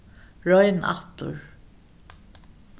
royn aftur